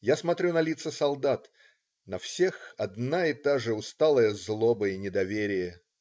Я смотрю на лица солдат: на всех одна и та же усталая злоба и недоверие.